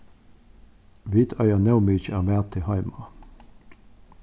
vit eiga nóg mikið av mati heima